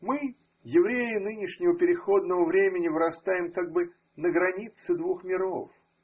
Мы, евреи нынешнего переходного времени, вырастаем как бы на границе двух миров.